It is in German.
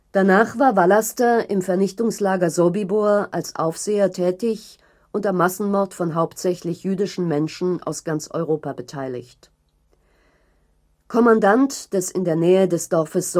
Danach war Vallaster im Vernichtungslager Sobibór als Aufseher tätig und am Massenmord von hauptsächlich jüdischen Menschen aus ganz Europa beteiligt. Kommandant des in der Nähe des Dorfes